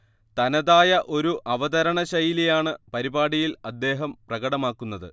തനതായ ഒരു അവതരണ ശൈലിയാണ് പരിപാടിയിൽ അദ്ദേഹം പ്രകടമാക്കുന്നത്